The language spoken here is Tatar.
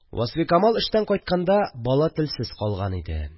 Васфикамал эштән кайтканда бала телсез калган иде